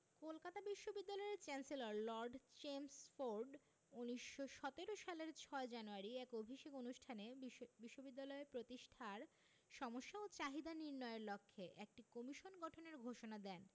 কলকাতা বিশ্ববিদ্যালয়ের chancellor Lord Chelmsford ১৯১৭ সালের ৬ January এক অভিষেক অনুষ্ঠানে বিশ্ব বিশ্ববিদ্যালয় প্রতিষ্ঠার সমস্যা ও চাহিদা নির্ণয়ের লক্ষ্যে একটি কমিশন গঠনের ঘোষণা দেন